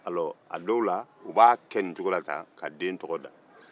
alɔre a dɔw la u b'a kɛ nin cogo in na k'a den tɔgɔ da